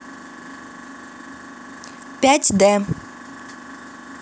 пять д